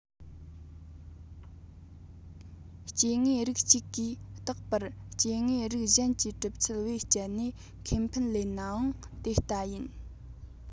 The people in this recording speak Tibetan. སྐྱེ དངོས རིགས གཅིག གིས རྟག པར སྐྱེ དངོས རིགས གཞན གྱི གྲུབ ཚུལ བེད སྤྱད ནས ཁེ ཕན ལེན ནའང དེ ལྟ ཡིན